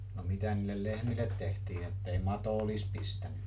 no mitä niille lehmille tehtiin että ei mato olisi pistänyt